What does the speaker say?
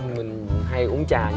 mình hay uống trà